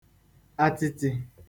atịtị̄